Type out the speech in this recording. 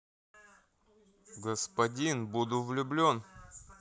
господин буду влюблен